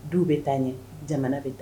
Duw be taa ɲɛ jamana be t